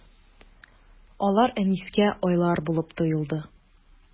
Алар Әнискә айлар булып тоелды.